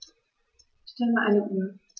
Stell mir eine Uhr.